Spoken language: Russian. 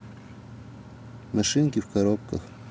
машинки в коробках